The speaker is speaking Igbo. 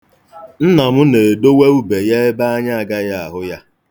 Nna m na-edowe ube ya ebe anya agaghị ahụ ya.